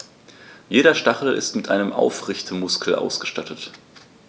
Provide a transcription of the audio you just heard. Jeder Stachel ist mit einem Aufrichtemuskel ausgestattet.